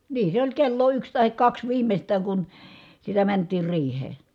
niin se oli kello yksi tai kaksi viimeistään kun sitä mentiin riiheen